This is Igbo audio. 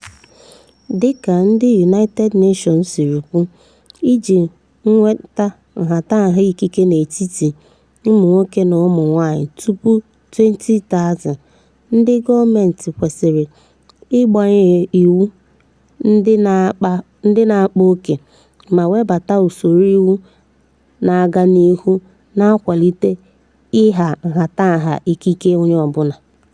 Dị ka ndị United Nations siri kwu, iji nweta nhatanha ikike n’etiti ụmụ nwoke na ụmụ nwaanyị tupu 2030, ndị gọọmentị kwesịrị ịgbanwe iwu ndị na-akpa oke ma webata usoro iwu na-aga n’ihu na-akwalite ịha nhatanha ikike onye ọbụla.